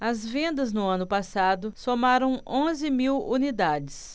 as vendas no ano passado somaram onze mil unidades